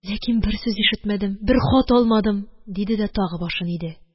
Ләкин бер сүз ишетмәдем, бер хат алмадым, – диде дә тагы башын иде...